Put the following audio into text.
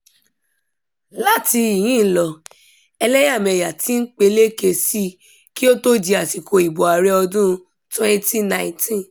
Láti ìhín lọ, ẹlẹ́yàmẹyà ti ń peléke sí i kí ó tó di àsìkò ìbò ààrẹ ọdún-un 2019.